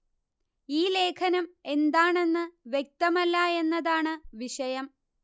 ഈ ലേഖനം എന്താണെന്ന് വ്യക്തമല്ല എന്നതാണ് വിഷയം